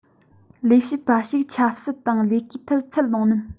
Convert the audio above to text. ལས བྱེད པ ཞིག ཆབ སྲིད དང ལས ཀའི ཐད ཚད ལོངས མིན